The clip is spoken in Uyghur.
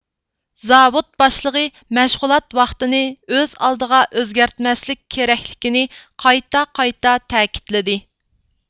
زاۋۇت باشلىقى مەشغۇلات ۋاقتىنى ئۆز ئالدىغا ئۆزگەرتمەسلىك كېرەكلىكىنى قايتا قايتا تەكىتلىدى